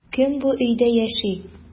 Кем бу өйдә яши?